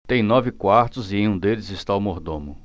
tem nove quartos e em um deles está o mordomo